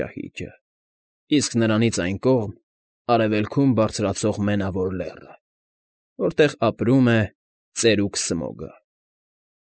Ճահիճը, իսկ նրանից այն կողմ՝ Արևելքում բարձրացող Մենավոր Լեռը, որտեղ ապրում է ծերուկ Սմոգը։